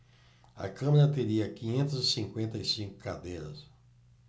a câmara teria quinhentas e cinquenta e cinco cadeiras